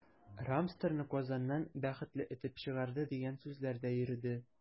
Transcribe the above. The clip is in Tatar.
“рамстор”ны казаннан “бәхетле” этеп чыгарды, дигән сүзләр дә йөрде.